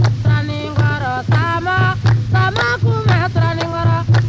siraninkɔrɔ faama faama kun bɛ siranikɔrɔ